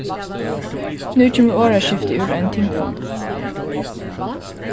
nú kemur orðaskifti úr einum tingfundi